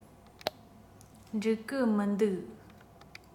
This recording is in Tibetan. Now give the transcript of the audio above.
འགྲིག གི མི འདུག